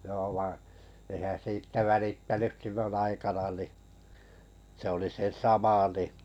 joo vaan enhän siitä välittänyt silloin aikana niin se oli se sama niin